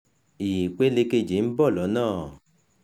Ìpele kejì ń bọ̀ lọ́nà.